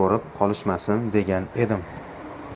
ko'rib qolishmasin degan edim